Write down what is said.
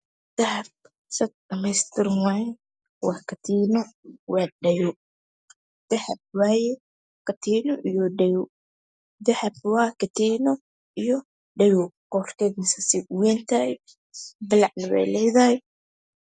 Dahab sad dhamaystiran weyeh waa katiino waa dhago dahab weye katiino iyo dhago qortedana sii uwayntahay balacna way leedahay